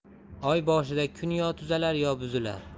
oy boshida kun yo tuzalar yo buzilar